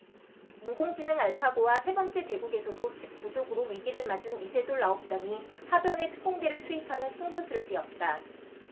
인공지능 알파고와 세 번째 대국에서도 집 부족으로 위기를 맞은 이세돌 아홉 단이 하변에 특공대를 투입하는 승부수를 띄웠다